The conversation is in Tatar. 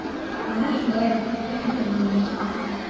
Менә шулай, син өлкән булырсың.